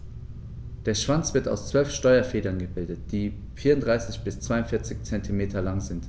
Der Schwanz wird aus 12 Steuerfedern gebildet, die 34 bis 42 cm lang sind.